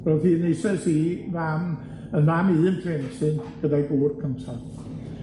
ro'dd hi'n eisoes i fam, yn mam un plentyn gyda'i gŵr cynta.